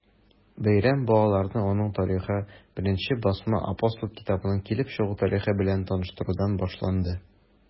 Бәйрәм балаларны аның тарихы, беренче басма “Апостол” китабының килеп чыгу тарихы белән таныштырудан башланды.